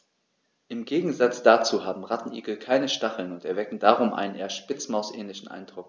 Im Gegensatz dazu haben Rattenigel keine Stacheln und erwecken darum einen eher Spitzmaus-ähnlichen Eindruck.